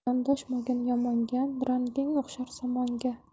yondashmagin yomonga ranging o'xshar somonga